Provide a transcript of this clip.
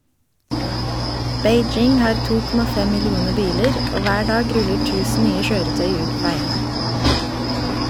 Beijing har 2,5 millioner biler, og hver dag ruller 1000 nye kjøretøy ut på veiene.